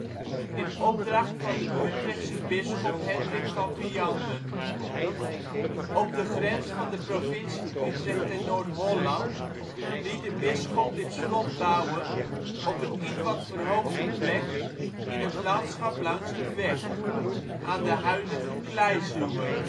opdracht van de Utrechtse bisschop Hendrik van Vianden. Op de grens van de provincie Utrecht en Noord-Holland liet de bisschop dit slot bouwen op een ietwat verhoogde plek in het landschap langs de Vecht, aan de huidige kleizuwe